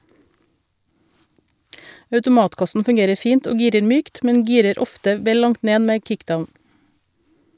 Automatkassen fungerer fint og girer mykt, men girer ofte vel langt ned med kickdown.